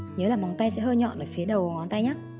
nhớ là móng tay sẽ hơi nhọn ở phía đầu ngón tay nha